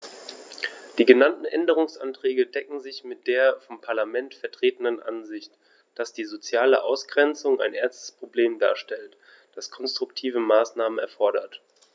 Die genannten Änderungsanträge decken sich mit der vom Parlament vertretenen Ansicht, dass die soziale Ausgrenzung ein ernstes Problem darstellt, das konstruktive Maßnahmen erfordert.